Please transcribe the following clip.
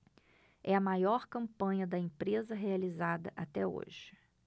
é a maior campanha da empresa realizada até hoje